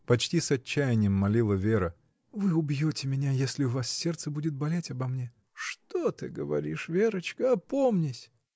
— почти с отчаянием молила Вера, — вы убьете меня, если у вас сердце будет болеть обо мне. — Что ты говоришь, Верочка? Опомнись!.